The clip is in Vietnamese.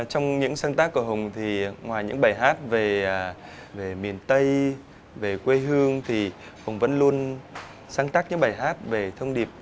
trong những sáng tác của hùng thì ngoài những bài hát về à về miền tây về quê hương thì hùng vẫn luôn sáng tác những bài hát về thông điệp